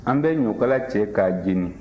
an bɛ ɲɔkala cɛ k'a jeni